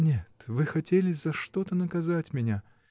— Нет, вы хотели за что-то наказать меня.